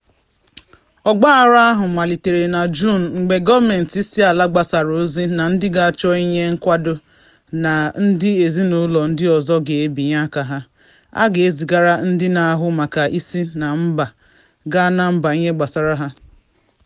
Ọgbaghara ahụ malitere na Juun mgbe gọọmenti isiala gbasara ozi na ndị ga-achọ inye nkwado na ndị ezinụlọ ndị ọzọ ga-ebinye aka ha, a ga-ezigara ndị na-ahụ maka isi na mba gaa na mba ihe gbasara ha